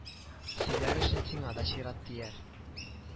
Сөйләр өчен сиңа да чират тияр